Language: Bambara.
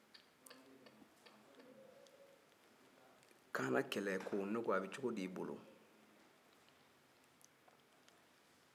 kaana kɛlɛ ko ne ko a bɛ cogodi i bolo aa